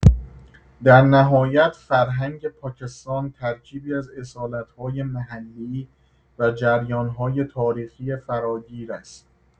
در نهایت، فرهنگ پاکستان ترکیبی از اصالت‌های محلی و جریان‌های تاریخی فراگیر است.